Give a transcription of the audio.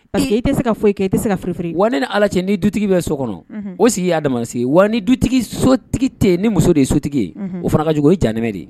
Pa i tɛ se ka foyi i kɛ i tɛ se kari wa ne ni ala cɛ ni dutigi bɛ so kɔnɔ o sigi'damasigi wa ni dutigi sotigi tɛ ni muso de ye sotigi ye o fana ka jugu o ye janmɛ de ye